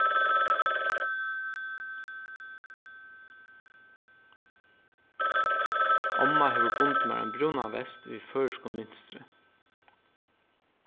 omma hevur bundið mær ein brúnan vest við føroyskum mynstri